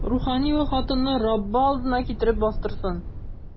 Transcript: Рухани ул хатынны Раббы алдына китереп бастырсын.